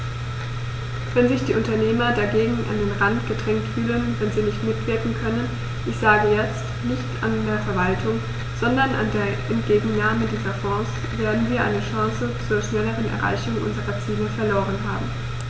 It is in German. Wenn sich die Unternehmer dagegen an den Rand gedrängt fühlen, wenn sie nicht mitwirken können ich sage jetzt, nicht nur an der Verwaltung, sondern an der Entgegennahme dieser Fonds , werden wir eine Chance zur schnelleren Erreichung unserer Ziele verloren haben.